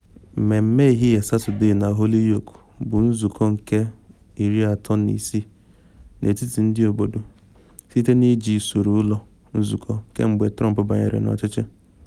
Mmemme ehihie Satọde na Holyoke bụ nzụkọ nke 36 n’etiti ndị obodo site na iji usoro ụlọ nzụkọ kemgbe Trump banyere n’oche.